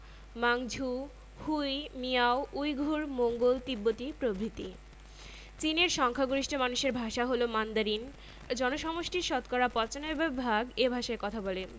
Manchu Hui Miao Uyghur Mongol তিব্বতি প্রভৃতি চীনের সংখ্যাগরিষ্ঠ মানুষের ভাষা হলো মান্দারিন জনসমষ্টির শতকরা ৯৫ ভাগ এ ভাষায় কথা বলে